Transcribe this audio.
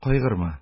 Кайгырма,